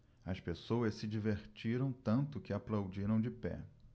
as pessoas se divertiram tanto que aplaudiram de pé